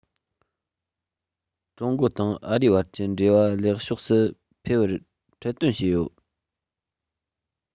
ཀྲུང གོ དང ཨ རིའི བར གྱི འབྲེལ བ ལེགས ཕྱོགས སུ འཕེལ བར ཁྲིད སྟོན བྱས ཡོད